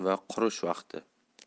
va qurish vaqti